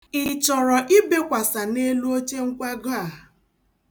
Ị chọrọ ibekwasa n'elu ochenkwago a?